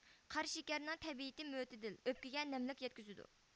قاراشېكەرنىڭ تەبىئىتى مۆتىدىل ئۆپكىگە نەملىك يەتكۈزىدۇ